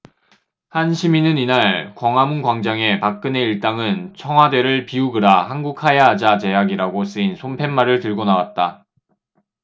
한 시민은 이날 광화문광장에 박근혜 일당은 청와대를 비우그라 한국하야하자 제약이라고 쓰인 손팻말을 들고 나왔다